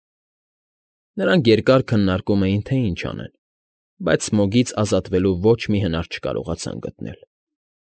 Նրանք երկար քննարկում էին, թե ինչ անեն, բայց Սմոգից ազատվելու ոչ մի հնար չկարողացան գտնել։